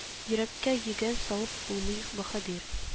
Йөрәккә йөгән салып булмый баһадир